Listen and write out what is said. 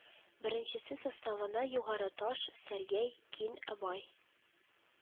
Беренчесе составына Югары Таш, Сәргәй, Кин әбай